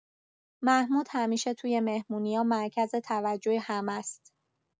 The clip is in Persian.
محمود همیشه توی مهمونی‌ها مرکز توجه همه‌ست.